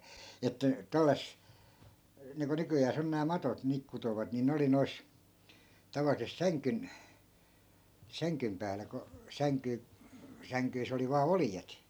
että - niin kuin nykyään on nämä matot niin kutovat niin ne oli noissa tavallisesti sängyn sängyn päällä kun - sängyssä oli vain oljet